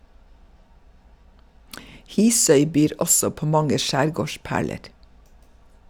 Hisøy byr også på mange skjærgårdsperler.